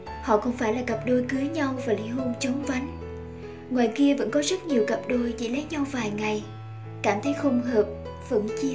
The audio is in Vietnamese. họ không phải là cặp đôi cưới nhau và ly hôn chóng vánh ngoài kia vẫn có rất nhiều cặp đôi chỉ lấy nhau vài ngày cảm thấy không hợp vẫn chia tay